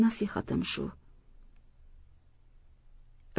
nasihatim shu